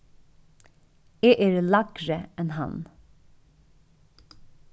eg eri lægri enn hann